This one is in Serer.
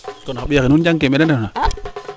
kon xa mbiya xe nuun njang ke me de ndefna